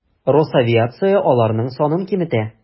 Росавиация аларның санын киметә.